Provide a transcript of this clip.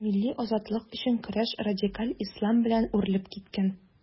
Милли азатлык өчен көрәш радикаль ислам белән үрелеп киткән.